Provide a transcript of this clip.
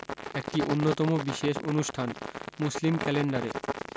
একটি অন্যতম বিশেষ অনুষ্ঠান মুসলিম ক্যালেন্ডারে